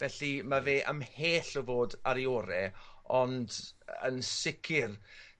Felly ma' fe ymhell o fod ar 'i ore' ond yn sicir